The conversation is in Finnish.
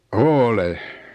olen